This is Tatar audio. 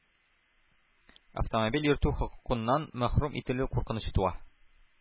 Автомобиль йөртү хокукыннан мәхрүм ителү куркынычы туа.